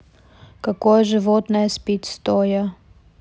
какое животное спит стоя